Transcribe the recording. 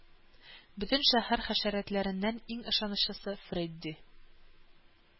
Бөтен шәһәр хәшәрәтләреннән иң ышанычлысы Фредди